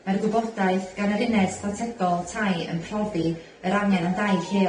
Mae'r gwybodaeth gan yr uned strategol tai yn profi yr angen am dai lleol.